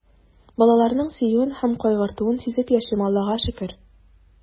Балаларның сөюен һәм кайгыртуын сизеп яшим, Аллага шөкер.